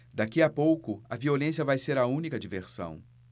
daqui a pouco a violência vai ser a única diversão